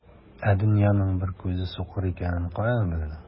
Ә дөянең бер күзе сукыр икәнен каян белдең?